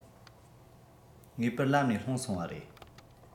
ངེས པར ལམ ནས ལྷུང སོང བ རེད